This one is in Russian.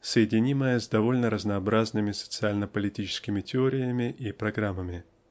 соединимое с довольно разнообразными социально-политическими теориями и программами.